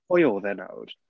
Pwy oedd e nawr?